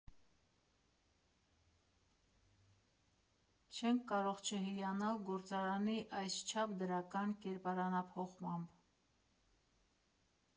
Չենք կարող չհիանալ գործարանի այսչափ դրական կերպարանափոխմամբ։